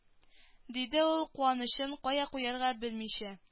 Диде ул куанычын кая куярга белмичә